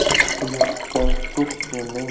u yoqqa sobstvenniy